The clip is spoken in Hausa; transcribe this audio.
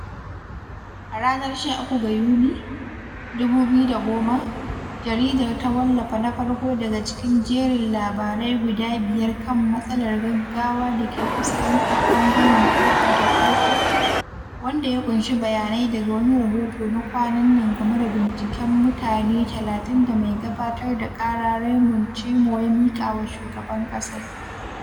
A ranar 13 ga Yuli, 2010, jaridar ta wallafa na farko daga cikin jerin labarai guda biyar kan “matsalar gaggawa” da ke fuskantar ɓangaren kofi da koko, wanda ya ƙunshi bayanai daga wani rahoto na kwanan nan game da binciken mutane 30 da mai gabatar da ƙara Raymond Tchimou ya miƙa wa shugaban ƙasa.